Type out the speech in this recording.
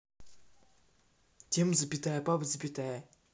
тема запятая папа запятая